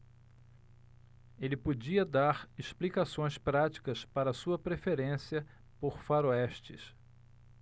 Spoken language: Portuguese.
ele podia dar explicações práticas para sua preferência por faroestes